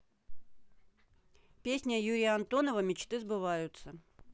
песня юрия антонова мечты сбываются